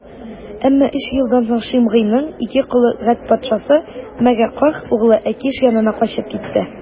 Әмма өч елдан соң Шимгыйның ике колы Гәт патшасы, Мәгакәһ углы Әкиш янына качып китте.